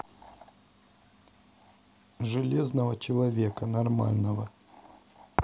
железного человека нормального